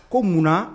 Ko muna?